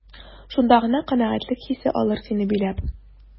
Шунда гына канәгатьлек хисе алыр сине биләп.